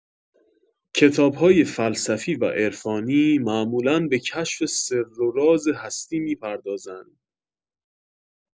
کتاب‌های فلسفی و عرفانی معمولا به کشف سر و راز هستی می‌پردازند.